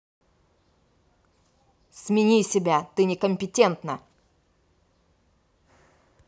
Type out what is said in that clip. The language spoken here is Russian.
смени себя ты некомпетентна